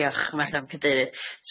Diolch yn far iawn cadeirydd.